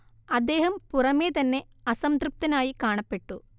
അദ്ദേഹം പുറമേ തന്നെ അസംതൃപ്തനായി കാണപ്പെട്ടു